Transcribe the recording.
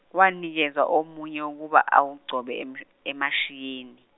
wanikezwa omunye wokuba awugcobe em- emashiyeni.